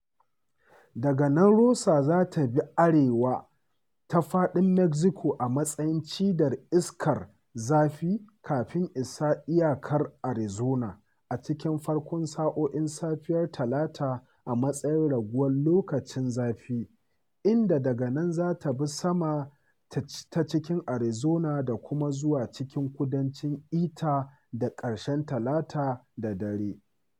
Daga nan Rosa za ta bi arewa ta faɗin Mexico a matsayin cidar iskar zafi kafin isa iyakar Arizona a cikin farkon sa’o’in safiyar Talata a matsayin raguwar loƙacin zafi, inda daga nan za ta bi sama ta cikin Arizona da kuma zuwa cikin kudancin Itah da ƙarshen Talata da dare.